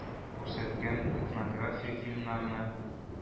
Күрсәткән этнография фильмнарына